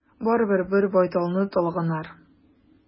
Барыбер, бер байталны талаганнар.